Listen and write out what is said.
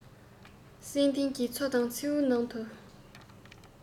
བསིལ ལྡན གྱི མཚོ དང མཚེའུ ནང དུ